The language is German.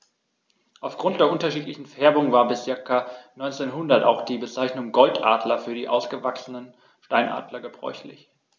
Auf Grund der unterschiedlichen Färbung war bis ca. 1900 auch die Bezeichnung Goldadler für ausgewachsene Steinadler gebräuchlich.